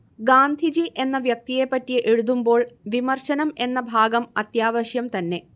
ഗാന്ധിജി എന്ന വ്യക്തിയെ പറ്റി എഴുതുമ്പോൾ വിമർശനം എന്ന ഭാഗം അത്യാവശ്യം തന്നെ